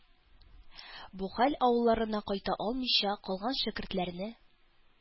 Бу хәл авылларына кайта алмыйча калган шәкертләрне